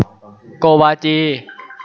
โกวาจี